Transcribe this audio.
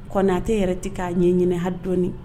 Ko a tɛ yɛrɛ tɛ k'a ɲɛ ɲɛna dɔɔnini